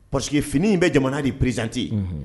P pa que finiini in bɛ jamana de psizantee